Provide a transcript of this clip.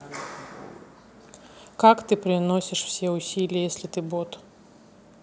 как ты приносишь все усилия если ты бот